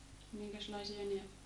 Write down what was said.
minkäslaisia ne oli